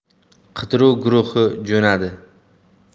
qidiruv guruhi jo'nadi